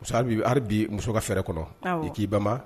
Hali bi muso ka fɛrɛɛrɛ kɔnɔ i k'i ban